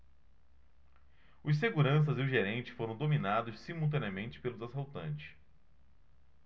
os seguranças e o gerente foram dominados simultaneamente pelos assaltantes